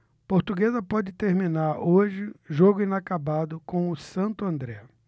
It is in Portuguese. portuguesa pode terminar hoje jogo inacabado com o santo andré